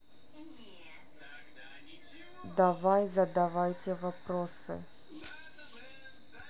давай задавайте вопросы